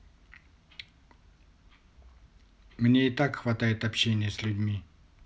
мне и так хватает общения с людьми